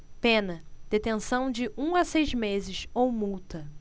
pena detenção de um a seis meses ou multa